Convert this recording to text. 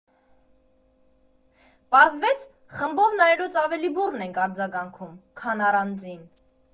Պարզվեց՝ խմբով նայելուց ավելի բուռն ենք արձագանքում, քան առանձին։